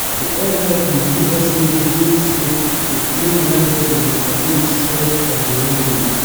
The airline and the U.S. Navy both said the plane landed in the lagoon short of the runway.